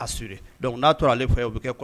N'a tora ale ye bɛ kɛ